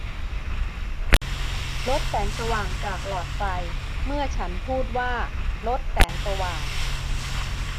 ลดแสงสว่างจากหลอดไฟเมื่อฉันพูดว่าลดแสงสว่าง